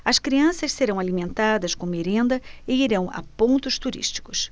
as crianças serão alimentadas com merenda e irão a pontos turísticos